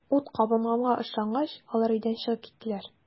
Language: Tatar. Ут кабынганга ышангач, алар өйдән чыгып киттеләр.